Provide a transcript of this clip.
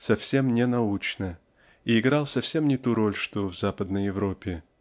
совсем ненаучно и играй совсем не ту роль что в Западной Европе.